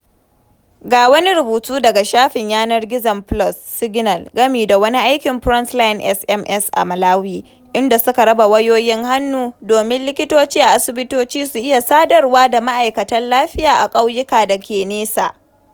Ga wani rubutu a daga shafim yanar gizon Pulse + Signal game da wani aikin FrontlineSMS a Malawi, inda suka raba wayoyin hannu, domin likitoci a asibitoci su iya sadarwa da ma’aikatan lafiya a ƙauyuka dake nesa.